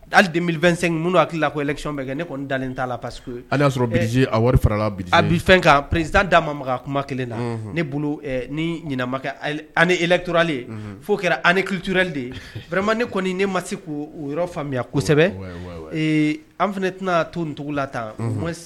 Ali mi2sen ninnu don hakili la ko ekicɔn bɛ kɛ ne kɔni dalen'a la pa que y' sɔrɔ bilisiz a wari farala a bɛ fɛn kan peretan d' ma kuma kelen na ne bolo nimakɛ anitturaralen fo kɛra ani ni kiturarali de yema ne kɔni ne ma se yɔrɔ faamuyaya kosɛbɛ ee an fana tɛna to tugu la tan